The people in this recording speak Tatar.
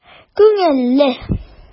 Күңелле!